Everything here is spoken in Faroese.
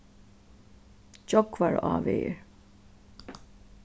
gjógvarávegur